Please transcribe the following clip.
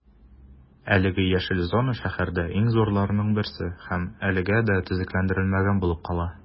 Әлеге яшел зона шәһәрдә иң зурларының берсе һәм әлегә дә төзекләндерелмәгән булып кала.